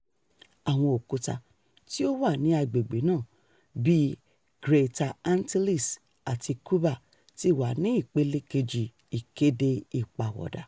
Àwọn òkúta tí ó wà ní agbègbè náà, bíi Greater Antilles àti Cuba, ti wà ní Ìpele Kejì Ìkéde Ìpàwọ̀dà: